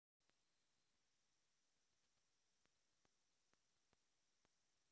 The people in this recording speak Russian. пятьдесят оттенков черного